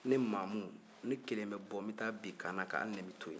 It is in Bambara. ne maamu ne kelen bɛ bɔ n bɛ taa bin kaana kan hali ni n bɛ to yen